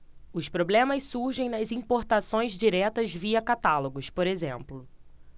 os problemas surgem nas importações diretas via catálogos por exemplo